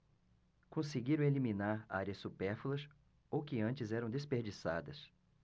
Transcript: conseguiram eliminar áreas supérfluas ou que antes eram desperdiçadas